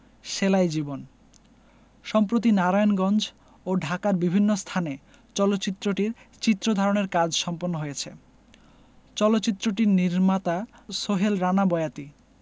সেলাই জীবন সম্প্রতি নারায়ণগঞ্জ ও ঢাকার বিভিন্ন স্থানে চলচ্চিত্রটির চিত্র ধারণের কাজ সম্পন্ন হয়েছে চলচ্চিত্রটির নির্মাতা সোহেল রানা বয়াতি